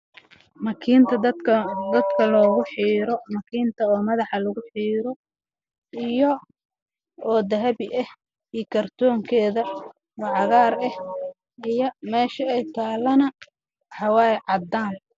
Waa ma kiinta madax lagu xiirto